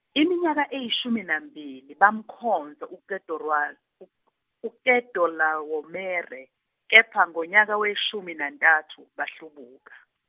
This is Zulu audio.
iminyaka eyishumi nambili bamkhonza uKetorwa- uk- uGedorlawomere, kepha ngonyaka weshumi nantathu bahlubuka.